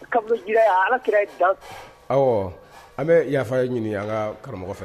Ala an bɛ yafafa ye ɲini an ka karamɔgɔ fɛ